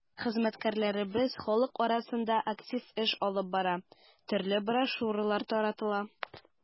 Хезмәткәрләребез халык арасында актив эш алып бара, төрле брошюралар таратыла.